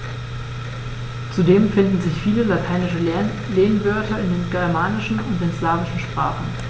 Zudem finden sich viele lateinische Lehnwörter in den germanischen und den slawischen Sprachen.